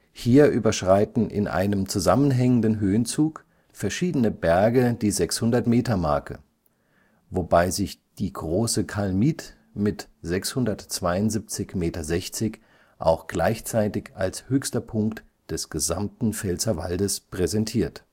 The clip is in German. Hier überschreiten in einem zusammenhängenden Höhenzug verschiedene Berge die 600-Meter-Marke, wobei sich die Große Kalmit mit 672,6 m auch gleichzeitig als höchster Punkt des gesamten Pfälzerwaldes präsentiert